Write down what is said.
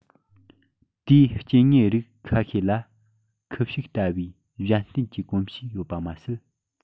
དེའི སྐྱེ དངོས རིགས ཁ ཤས ལ ཁུ བྱུག ལྟ བུའི གཞན རྟེན གྱི གོམས གཤིས ཡོད པ མ ཟད